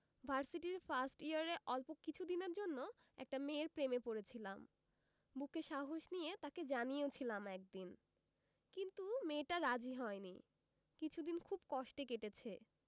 ভার্সিটির ফার্স্ট ইয়ারে অল্প কিছুদিনের জন্য একটা মেয়ের প্রেমে পড়েছিলাম বুকে সাহস নিয়ে তাকে জানিয়েছিলামও একদিন কিন্তু মেয়েটা রাজি হয়নি কিছুদিন খুব কষ্টে কেটেছে